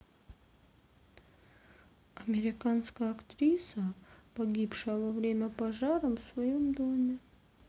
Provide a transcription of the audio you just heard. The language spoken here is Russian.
американская актриса погибшая во время пожара в своем доме